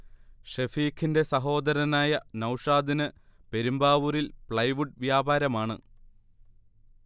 ഷെഫീഖിന്റെ സഹോദരനായ നൗഷാദിന് പെരുമ്ബാവൂരിൽ പ്ലൈവുഡ് വ്യാപാരമാണ്